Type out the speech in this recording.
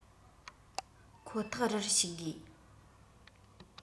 ཁོ ཐག རར ཞུགས དགོས